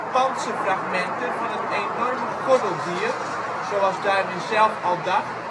pantserfragmenten van het enorme gordeldier (zoals Darwin zelf al dacht